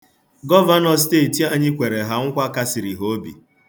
Gọvanọ steeti anyị kwere ha nkwa kasiri ha obi.